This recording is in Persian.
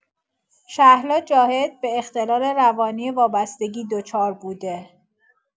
شهلا جاهد به اختلال روانی وابستگی دچار بوده؟